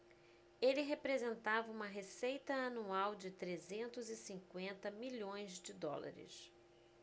ele representava uma receita anual de trezentos e cinquenta milhões de dólares